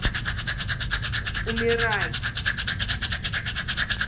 умирай